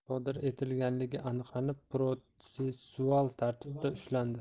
sodir etganligi aniqlanib protsessual taribda ushlangan